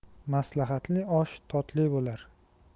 maslahatli osh totli bo'lar